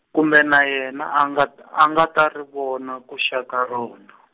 kumbe na yena a nga t-, a nga ta ri vona ku xa ka rona.